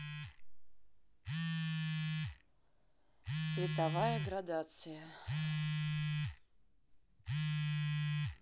цветовая градация